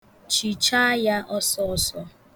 Chichaa ya ọsọọsọ.